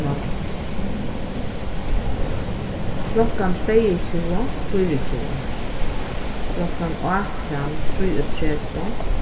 nátt klokkan tveyogtjúgu fýraogtjúgu klokkan átjan trýogtretivu